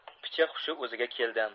picha hushi o'ziga keldi